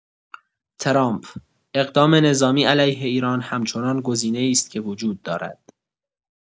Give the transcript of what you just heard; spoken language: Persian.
ترامپ: اقدام نظامی علیه ایران همچنان گزینه‌ای است که وجود دارد.